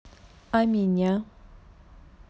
а меня